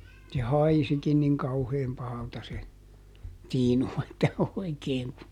se haisikin niin kauhean pahalta se tiinu että oikein kun